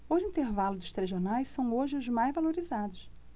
os intervalos dos telejornais são hoje os mais valorizados